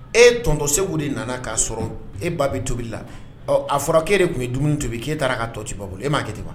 E ttɔn segu de nana k kaa sɔrɔ e ba bɛ tobili la a fɔra e de tun ye dumuni to k'eyita taara ka tɔ ciba bolo e m'a tɛ wa